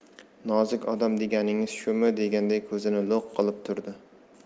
nozik odam deganingiz shumi deganday ko'zini lo'q qilib turdi